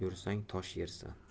yomon yursang tosh yersan